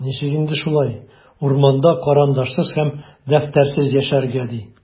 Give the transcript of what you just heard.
Ничек инде шулай, урманда карандашсыз һәм дәфтәрсез яшәргә, ди?!